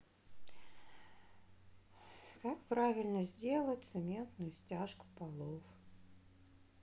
как правильно сделать цементную стяжку полов